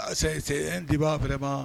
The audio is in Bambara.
A c'est c'est un débat vraiment